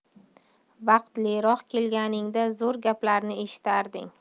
vaqtliroq kelganingda zo'r gaplarni eshitarding